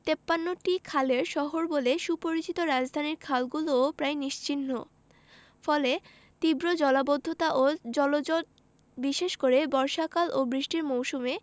৫৩টি খালের শহর বলে সুপরিচিত রাজধানীর খালগুলোও প্রায় নিশ্চিহ্ন ফলে তীব্র জলাবদ্ধতা ও জলজট বিশেষ করে বর্ষাকাল ও বৃষ্টির মৌসুমে